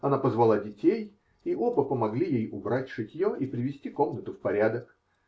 Она позвала детей, и оба помогли ей убрать шитье и привести комнату в порядок.